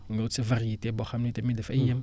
nga ut sa variété boo xam ne tamit dafay yam